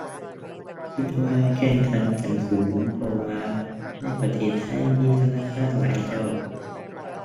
คิดว่าแข่งขันกันสูง เพราะว่าในประเทศไทยมีธนาคารหลายเจ้า